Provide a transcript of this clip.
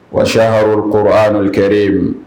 Wa cha aroul kourou aanoul kariim